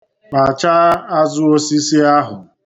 Kpachaa azụ osisi ahụ.